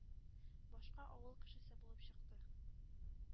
Башка авыл кешесе булып чыкты.